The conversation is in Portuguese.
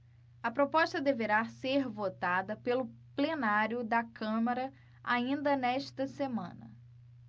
a proposta deverá ser votada pelo plenário da câmara ainda nesta semana